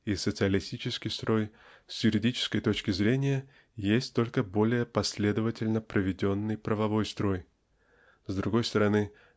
и социалистический строй с юридической точки зрения есть только более последовательно проведенный правовой строй. С другой стороны